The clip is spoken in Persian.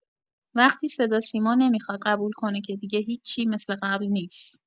وقتی صداوسیما نمیخواد قبول کنه که دیگه هیچی مثل قبل نیست